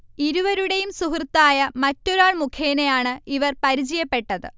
ഇരുവരുടെയും സുഹൃത്തായ മറ്റൊരാൾ മുഖേനയാണ് ഇവർ പരിചയപ്പെട്ടത്